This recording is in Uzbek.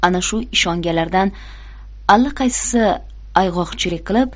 ana shu ishonganlaridan allaqaysisi ayg'oqchilik qilib